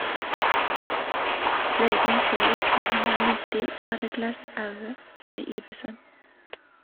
Legen så ut som han var 90 og hadde "glassaua", sier Iversen.